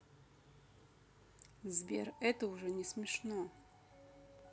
сбер это уже не смешно